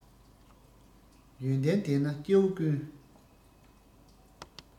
ཡོན ཏན ལྡན ན སྐྱེ བོ ཀུན